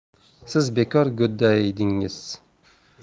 siz bekor g'o'daydingiz